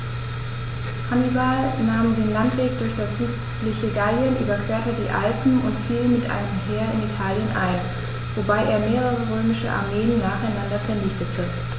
Hannibal nahm den Landweg durch das südliche Gallien, überquerte die Alpen und fiel mit einem Heer in Italien ein, wobei er mehrere römische Armeen nacheinander vernichtete.